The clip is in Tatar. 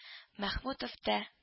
Мәхмүтов тә